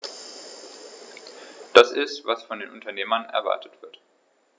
Das ist, was von den Unternehmen erwartet wird.